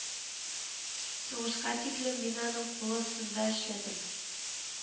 Сугышка тиклем мин аның кул астында эшләдем